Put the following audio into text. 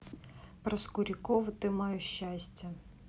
проскурякова ты мое счастье